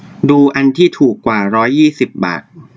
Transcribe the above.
ดูอันที่ถูกกว่าร้อยยี่สิบบาท